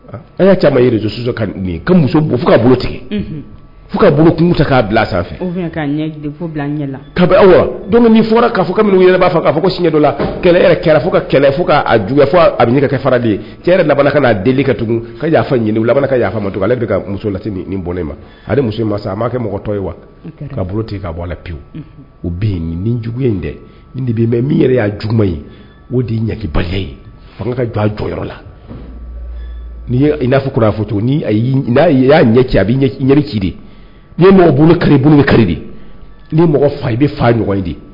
Y'a ka muso fo ka bolo tigɛ fo ka ta k'a bila sanfɛ fɔra b'a ka fɔ si la kɛlɛ fo ka fo' ju fo a bɛ kɛ faraden ye cɛ yɛrɛ ka'a deli ka tugun ka ka yaa ale bɛ ka muso la ni bɔn ma ale muso a m maa kɛ mɔgɔtɔ ye wa ka bolo tigɛ ka bɔ la pewu o nijugu ye dɛ min yɛrɛ y' j ye o de ye ka jɔ a jɔ yɔrɔ la n'i i n'a fɔ fɔ'a'a ɲɛ cɛ a bɛ ci ye ye mɔgɔ bolo kari i bolo kari de mɔgɔ fa i bɛ fa ɲɔgɔn ye de